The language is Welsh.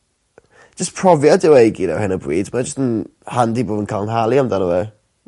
jys profiad yw e i gyd or hyn o bryd mae jys 'n handi bo' fi'n ca'l 'n nhalu amdano fe.